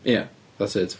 Ia, that's it.